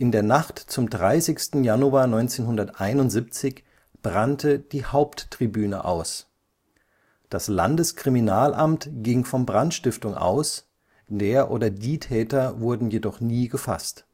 der Nacht zum 30. Januar 1971 brannte die Haupttribüne aus. Das Landeskriminalamt ging von Brandstiftung aus, der oder die Täter wurden jedoch nie gefasst